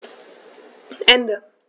Ende.